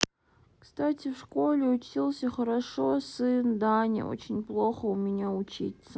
кстати в школе учился хорошо сын даня очень плохо у меня учиться